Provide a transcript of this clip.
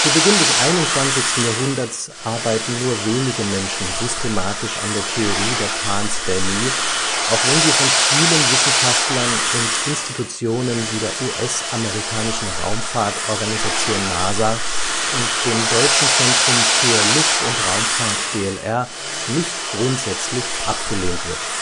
Beginn des 21. Jahrhunderts arbeiten nur wenige Menschen systematisch an der Theorie der Panspermie, auch wenn sie von vielen Wissenschaftlern und Institutionen wie der US-amerikanischen Raumfahrt-Organisation NASA und dem Deutschen Zentrum für Luft - und Raumfahrt (DLR) nicht grundsätzlich abgelehnt wird